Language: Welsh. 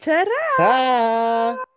Ta-ra!